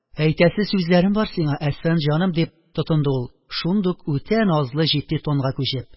– әйтәсе сүзләрем бар сиңа, әсфан җаным, – дип тотынды ул, шундук үтә назлы-җитди тонга күчеп